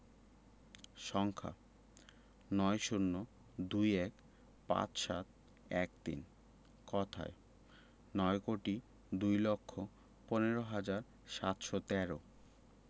সংখ্যাঃ ৯ ০২ ১৫ ৭১৩ কথায়ঃ নয় কোটি দুই লক্ষ পনেরো হাজার সাতশো তেরো